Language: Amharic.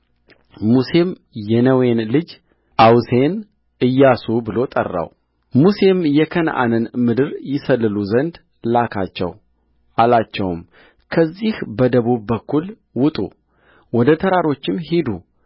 ሙሴም የነዌን ልጅ አውሴን ኢያሱ ብሎ ጠራውሙሴም የከነዓንን ምድር ይሰልሉ ዘንድ ላካቸው አላቸውም ከዚህ በደቡብ በኩል ውጡ ወደ ተራሮችም ሂዱ